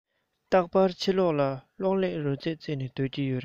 རྟག པར ཕྱི ལོག ལ གློག ཀླད རོལ རྩེད རྩེད ནས སྡོད ཀྱི ཡོད རེད